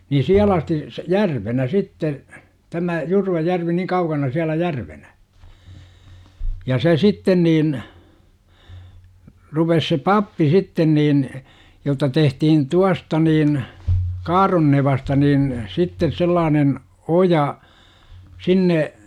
niin siellä asti - järvenä sitten tämä Jurvajärvi niin kaukana siellä järvenä ja se sitten niin rupesi se pappi sitten niin jotta tehtiin tuosta niin Kaaronnevasta niin sitten sellainen oja sinne